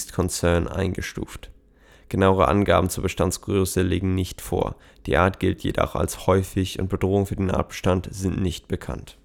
concern “) eingestuft. Genauere Angaben zur Bestandsgröße liegen nicht vor, die Art gilt jedoch als häufig und Bedrohungen für den Artbestand sind nicht bekannt